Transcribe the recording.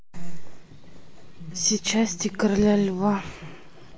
все части короля льва